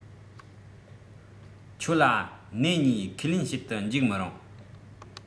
ཁྱོད ལ སྣེ གཉིས ཁས ལེན བྱེད དུ འཇུག མི རུང